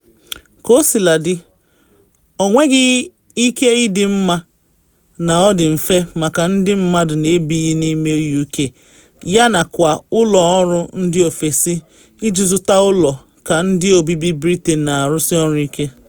Kaosiladị, ọ nweghị ike ịdị mma na ọ dị mfe maka ndị mmadụ na ebighi n’ime UK, yanakwa ụlọ ọrụ ndị ofesi, iji zụta ụlọ ka ndị obibi Britain na arụsị ọrụ ike.